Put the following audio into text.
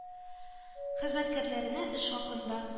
Хезмәткәрләренә эш хакын да